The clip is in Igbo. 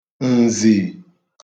nzhi